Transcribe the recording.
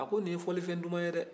a ko nin ye fɔlifɛn duman ye dɛ